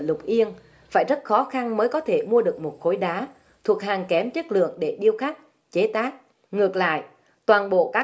lục yên phải rất khó khăn mới có thể mua được một khối đá thuộc hàng kém chất lượng để điêu khắc chế tác ngược lại toàn bộ các